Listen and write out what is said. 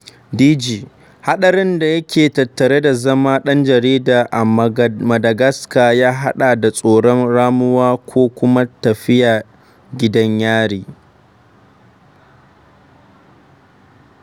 DG: Haɗarin da yake tattare da zama ɗan jarida a Madagascar ya haɗa da tsoron ramuwa ko kuma tafiya gidan Yari.